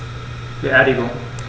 Beerdigung